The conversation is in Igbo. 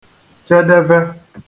chedeve